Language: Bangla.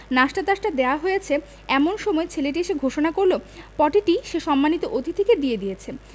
নাশতাটাসতা দেয়া হয়েছে এমন সময় ছেলেটি এসে ঘোষণা করল পটিটি সে সম্মানিত অতিথিকে দিয়ে দিয়েছে